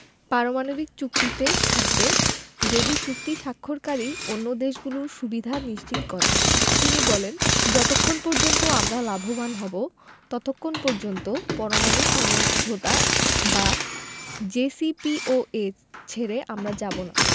পারমাণবিক চুক্তিতে থাকবে যদি চুক্তি স্বাক্ষরকারী অন্য দেশগুলো সুবিধা নিশ্চিত করে তিনি বলেন যতক্ষণ পর্যন্ত আমরা লাভবান হব ততক্ষণ পর্যন্ত পরমাণু সমঝোতা বা জেসিপিওএ ছেড়ে আমরা যাব না